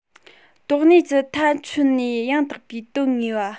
དོགས གནས ཀྱི མཐའ ཆོད ནས ཡང དག པའི དོན ངེས པ